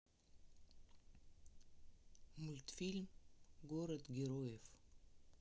мультфильм город героев